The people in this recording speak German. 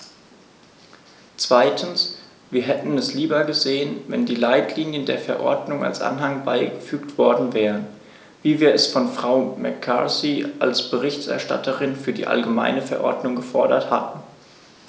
Zweitens: Wir hätten es lieber gesehen, wenn die Leitlinien der Verordnung als Anhang beigefügt worden wären, wie wir es von Frau McCarthy als Berichterstatterin für die allgemeine Verordnung gefordert hatten.